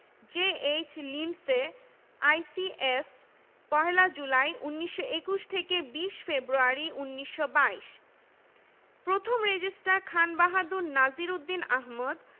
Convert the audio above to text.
J H Lindsay ICS ১ July ১৯২১ থেকে ২০ February ১৯২২ প্রথম registrar Khan Bahadur Nazir Uddin Ahmad